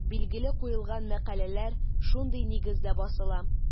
Билге куелган мәкаләләр шундый нигездә басыла.